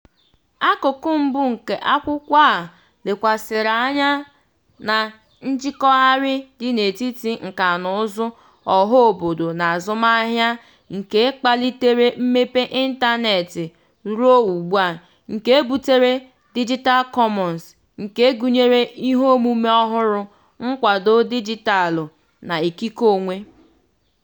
Akụkụ mbụ nke akwụkwọ a lekwasịrị anya na njikọgharị dị n'etiti nkànaụzụ, ọhaobodo na azụmahịa nke kpalitere mmepe ịntaneetị ruo ugbu a, nke butere "Digital Commons" nke gụnyere iheomume ọhụrụ, nkwado dịjịtaalụ, na ikike onwe.